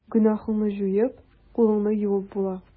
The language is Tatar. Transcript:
Гөнаһыңны җуеп, кулыңны юып була.